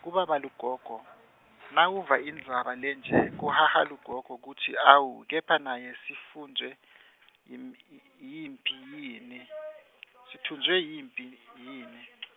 Kubaba lugogo , nawuva indzaba lenje kuhaha lugogo kutsi awu kepha naye sitfunjwe , yi- yiMphi yini , sitfunjwe yimphi yini.